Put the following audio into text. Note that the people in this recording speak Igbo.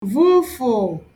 vufụ̀